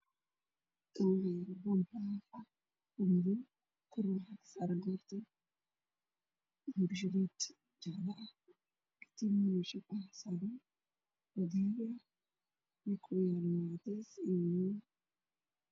Waa boonba la madow waxaa ku jira katiin dahabi ah katinka waa cateynta ka horta la gashto